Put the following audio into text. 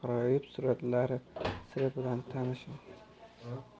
g'aroyib suratlari siri bilan tanishing